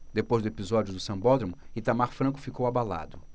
depois do episódio do sambódromo itamar franco ficou abalado